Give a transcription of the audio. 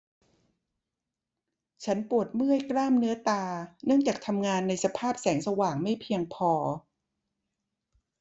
ฉันปวดเมื่อยกล้ามเนื้อตาเนื่องจากทำงานในสภาพแสงสว่างไม่เพียงพอ